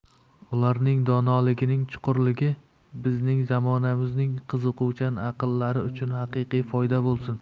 ularning donoligining chuqurligi bizning zamonamizning qiziquvchan aqllari uchun haqiqiy foyda bo'lsin